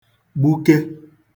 gbuke